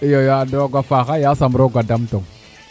iyo roga waaxa yasam roga dam tong